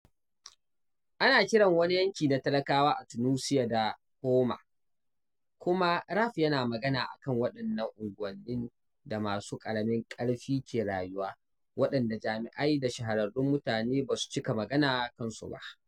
Ana kiran wani yanki na talakawa a Tunisia da Houma… Kuma rap yana magana a kan waɗannan unguwannin da masu ƙaramin ƙarfi ke rayuwa, waɗanda jami’ai da shahararrun mutane ba su cika magana kansu ba.